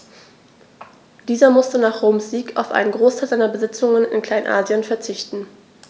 Dieser musste nach Roms Sieg auf einen Großteil seiner Besitzungen in Kleinasien verzichten.